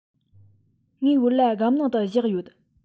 ངའི བོད ལྭ སྒམ ནང དུ བཞག ཡོད